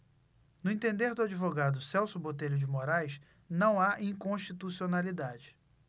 no entender do advogado celso botelho de moraes não há inconstitucionalidade